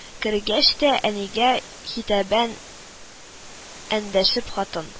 Кергәч тә, әнигә хитабән [эндәшеп]: "Хатын